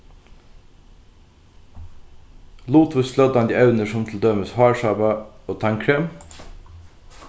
lutvíst flótandi evnir sum til dømis hársápa og tannkrem